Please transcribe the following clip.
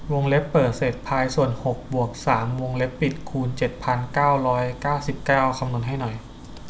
วงเล็บเปิดเศษพายส่วนหกบวกสามวงเล็บปิดคูณเจ็ดพันเก้าร้อยเก้าสิบเก้าคำนวณให้หน่อย